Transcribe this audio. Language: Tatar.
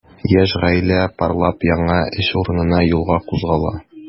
Яшь гаилә парлап яңа эш урынына юлга кузгала.